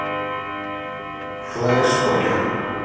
флэш покер